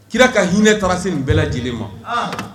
Kira ka hinɛ taara se nin bɛɛ lajɛlen ma, anhan